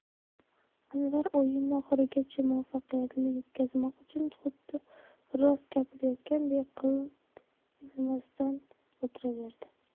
anvar o'yinni oxirigacha muvaffaqiyatli yetkazmoq uchun xuddi rost gapirayotganday qilt etmasdan o'tiraverdi